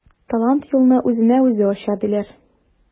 Талант юлны үзенә үзе ача диләр.